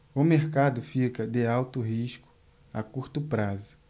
o mercado fica de alto risco a curto prazo